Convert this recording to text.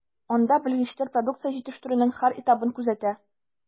Анда белгечләр продукция җитештерүнең һәр этабын күзәтә.